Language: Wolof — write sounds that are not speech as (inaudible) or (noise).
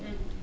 (hesitation) (hesitation)